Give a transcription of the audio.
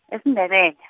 esiNdebele.